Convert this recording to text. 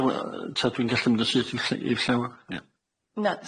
y- ta dwi'n gallu mynd yn syth i'r ll- i'r llawr?